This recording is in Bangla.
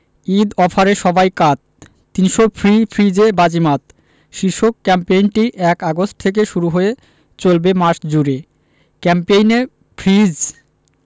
ঈদ অফারে সবাই কাত ৩০০ ফ্রি ফ্রিজে বাজিমাত শীর্ষক ক্যাম্পেইনটি ১ আগস্ট থেকে শুরু হয়ে চলবে মাস জুড়ে ক্যাম্পেইনে ফ্রিজ